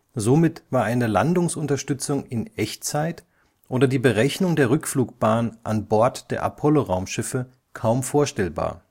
Somit war eine Landungsunterstützung in Echtzeit oder die Berechnung der Rückflugbahn an Bord der Apollo-Raumschiffe kaum vorstellbar